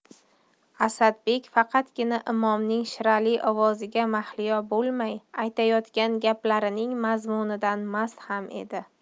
asadbek faqatgina imomning shirali ovoziga mahliyo bo'lmay aytayotgan gaplarining mazmunidan mast ham edi